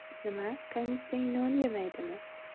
nima kamissiyang non yemaydimi